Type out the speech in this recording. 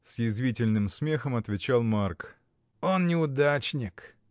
— с язвительным смехом отвечал Марк, — он неудачник!